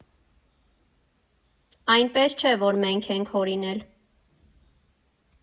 Այնպես չէ, որ մենք ենք հորինել։